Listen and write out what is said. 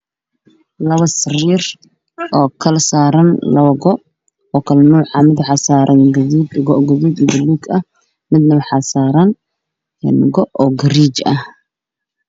Waa labo sariir oo saaran labo go oo kale nuuc ah mid waxaa saaran go gaduud iyo buluug ah, midna waxaa saaran go garee ah.